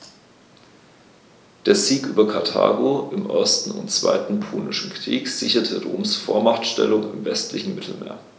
Der Sieg über Karthago im 1. und 2. Punischen Krieg sicherte Roms Vormachtstellung im westlichen Mittelmeer.